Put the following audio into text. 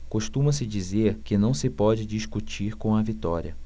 costuma-se dizer que não se pode discutir com a vitória